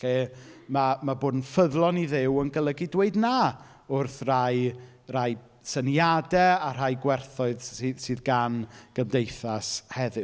Lle, ma' ma' bod yn ffyddlon i Dduw yn golygu dweud na wrth rai rai syniadau a rhai gwerthoedd s- sy sydd gan gymdeithas heddiw.